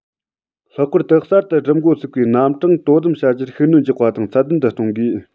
ལྷག པར དུ གསར དུ སྒྲུབ འགོ བཙུགས པའི རྣམ གྲངས དོ དམ བྱ རྒྱུར ཤུགས སྣོན རྒྱག པ དང ཚད ལྡན དུ གཏོང དགོས